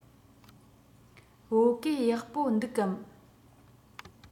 བོད གོས ཡག པོ འདུག གམ